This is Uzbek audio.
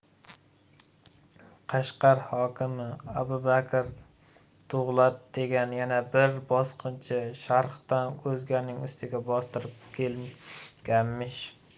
qashqar hokimi abubakir dug'lat degan yana bir bosqinchi sharqdan o'zganning ustiga bostirib kelmishdir